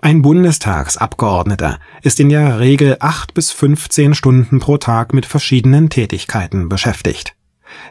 Ein Bundestagsabgeordneten ist in der Regel acht bis fünfzehn Stunden pro Tag mit verschiedenen Tätigkeiten beschäftigt.